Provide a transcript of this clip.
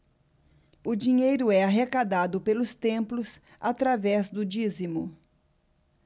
o dinheiro é arrecadado pelos templos através do dízimo